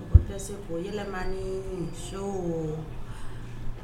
O tɛ se ko yɛlɛ naani ni so